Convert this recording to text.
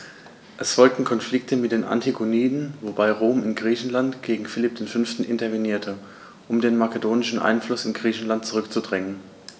Es folgten Konflikte mit den Antigoniden, wobei Rom in Griechenland gegen Philipp V. intervenierte, um den makedonischen Einfluss in Griechenland zurückzudrängen.